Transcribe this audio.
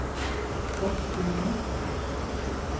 vágs skúli